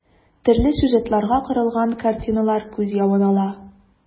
Төрле сюжетларга корылган картиналар күз явын ала.